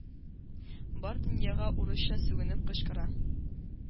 Бар дөньяга урысча сүгенеп кычкыра.